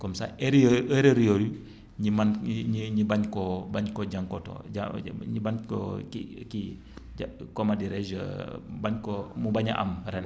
comme ça heure yooyu erreurs yooyu ñi mën ñi ñi bañ koo bañ koo jànkotoo ja ñu bañ koo ki kii ja comment dirais je bañ koo mu bañ a am ren